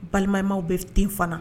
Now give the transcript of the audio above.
Balimamaw be f den fana